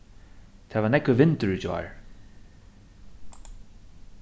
tað var nógvur vindur í gjár